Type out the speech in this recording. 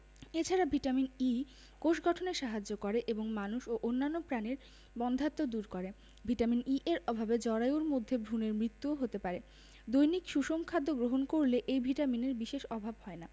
এ ছাড়া vitamin E কোষ গঠনে সাহায্য করে এবং মানুষ এবং অন্যান্য প্রাণীর বন্ধ্যাত্ব দূর করে ভিটামিন ই এর অভাবে জরায়ুর মধ্যে ভ্রুনের মৃত্যুও হতে পারে দৈনিক সুষম খাদ্য গ্রহণ করলে এই ভিটামিনের বিশেষ অভাব হয় না